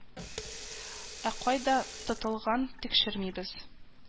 Ә кайда тотылган тикшермибез